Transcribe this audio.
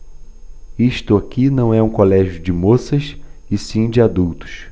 isto aqui não é um colégio de moças e sim de adultos